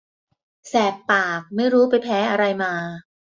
แสบปากไม่รู้ไปแพ้อะไรมา